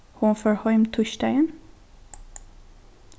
hon fór heim týsdagin